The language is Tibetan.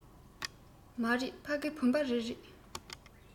མ རེད ཕ གི བུམ པ རི རེད